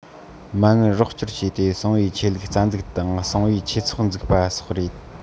མ དངུལ རོགས སྐྱོར བྱས ཏེ གསང བའི ཆོས ལུགས རྩ འཛུགས དང གསང བའི ཆོས ཚོགས འཛུགས པ སོགས རེད